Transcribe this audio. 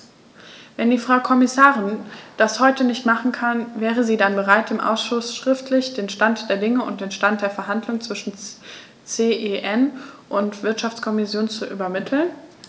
Wenn die Frau Kommissarin das heute nicht machen kann, wäre sie dann bereit, dem Ausschuss schriftlich den Stand der Dinge und den Stand der Verhandlungen zwischen CEN und Wirtschaftskommission zu übermitteln?